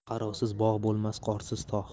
qarovsiz bog' bo'lmas qorsiz tog'